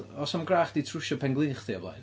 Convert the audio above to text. Oes 'na ddim gwrach wedi trwsio pen-glin chdi o'r blaen?